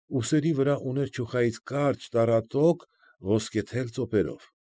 Ուսերի վրա ուներ չուխայից կարճ տառատոկ ոսկեթել ծոպերով։